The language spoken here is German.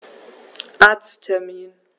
Arzttermin